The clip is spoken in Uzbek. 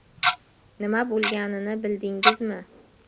nima bo'lganini bildingizmi